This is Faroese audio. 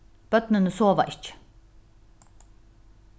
børnini sova ikki